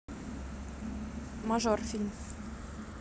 мажор фильм